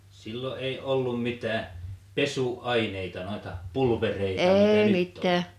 silloin ei ollut mitään pesuaineita noita pulvereita mitä nyt on